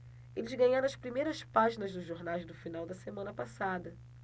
eles ganharam as primeiras páginas dos jornais do final da semana passada